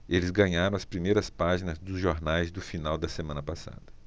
eles ganharam as primeiras páginas dos jornais do final da semana passada